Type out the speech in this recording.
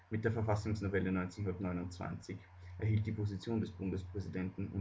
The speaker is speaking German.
Mit der Verfassungsnovelle 1929 erhielt die Position des Bundespräsidenten